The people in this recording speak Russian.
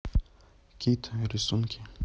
кит рисунки